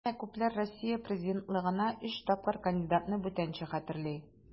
Әмма күпләр Россия президентлыгына өч тапкыр кандидатны бүтәнчә хәтерли.